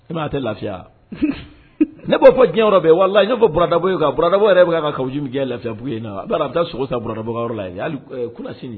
I m'a ye a tɛ lafiya. . Ne fɔ diɲɛ yɔrɔ bɛɛ, walahi, Bura Daabo ye Bura Daabo yɛrɛ bɛ ka Kawo Jim gɛn Lafiyabugu ye nɔ a t'a dɔn a bɛ ta sogo san Bura Dabo ka yɔrɔ la la. Hali kunnasini.